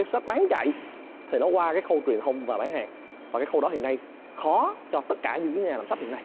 sách bán chạy qua các khâu truyền hùng và bán hàng hiện nay khó cho tất cả những người làm sách hiện nay